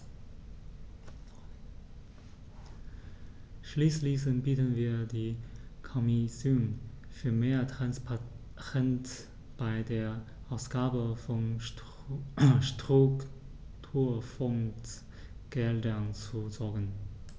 Schließlich bitten wir die Kommission, für mehr Transparenz bei der Ausgabe von Strukturfondsgeldern zu sorgen.